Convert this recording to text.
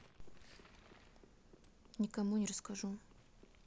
никому не расскажу